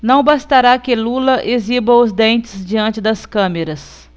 não bastará que lula exiba os dentes diante das câmeras